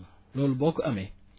loolu boo ko amee